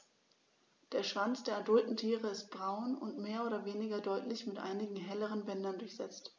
Der Schwanz der adulten Tiere ist braun und mehr oder weniger deutlich mit einigen helleren Bändern durchsetzt.